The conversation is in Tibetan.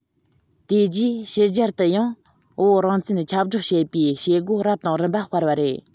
དེ རྗེས ཕྱི རྒྱལ དུ ཡང བོད རང བཙན ཁྱབ བསྒྲགས བྱེད པའི བྱེད སྒོ རབ དང རིམ པ སྤེལ བ རེད